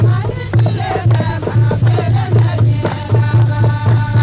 maa y'i tile kɛ maa kelen tɛ diɲɛ laban